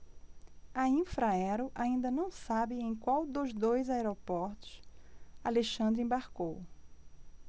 a infraero ainda não sabe em qual dos dois aeroportos alexandre embarcou